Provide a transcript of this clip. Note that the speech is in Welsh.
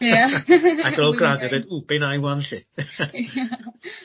Ie. Ag ar ol gradd efyd ww be wnâi 'wan 'lly.